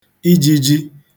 ijījī